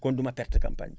kon du ma perte campagne bi